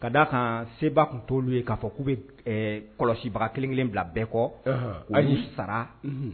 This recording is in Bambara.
Ka da aa kan seba tun t'olu ye k'a fɔ k'u bɛ kɔlɔsibaga kelenkelen bila bɛɛ kɔ hali sara